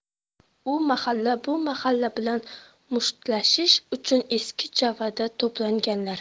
u mahalla bu mahalla bilan mushtlashish uchun eski jo'vada to'planganlar